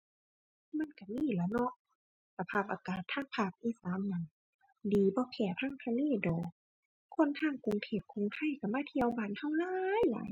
มันก็มีแหล้วเนาะ สภาพอากาศทางภาคอีสานนั่น ดีบ่แพ้ทางทะเลดอก คนทางกรุงเทพกรุงไทก็มาเที่ยวบ้านก็หลายหลาย